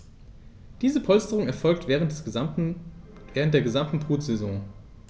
Diese Polsterung erfolgt während der gesamten Brutsaison.